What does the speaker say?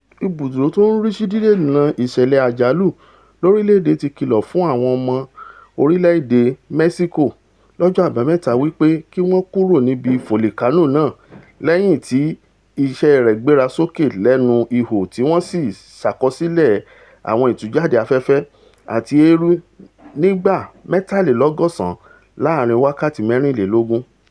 Ibùdò tó ń rísí Dídènà Ìṣẹ̀lẹ̀ Àjálù Lorílẹ̀-èdè ti kìlọ fún àwọn ọmọ orílẹ̀-èdè Mẹ́ṣíkò lọ́jọ́ Àbámẹ́ta wí pé kí wọn kùrò níbi fòlìkánò náà lẹ́yìn tí iṣẹ́ rẹ̀ gbéra sókè lẹ́nu ihò tí wọ́n sì ṣàkọsílẹ̀ àwọn ìtújáde afẹ́fẹ́ àti eérú nígbà mẹ́tàlélọ́gọ́sán láàrin wákàtí mẹ́riǹlélógún.